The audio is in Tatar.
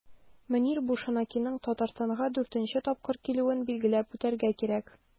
Мөнир Бушенакиның Татарстанга 4 нче тапкыр килүен билгеләп үтәргә кирәк.